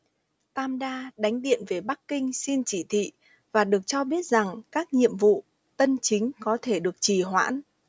tam đa đánh điện về bắc kinh xin chỉ thị và được cho biết rằng các nhiệm vụ tân chính có thể được trì hoãn